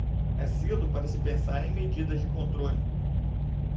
é cedo para se pensar em medidas de controle